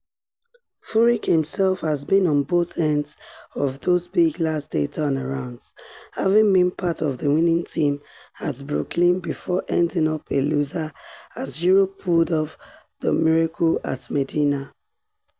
Furyk himself has been on both ends of those big last-day turnarounds, having been part of the winning team at Brookline before ending up a loser as Europe pulled off the "Miracle at Medinah."